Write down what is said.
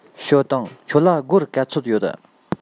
ཞའོ ཏུང ཁྱོད ལ སྒོར ག ཚོད ཡོད